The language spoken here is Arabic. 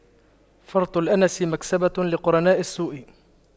فرط الأنس مكسبة لقرناء السوء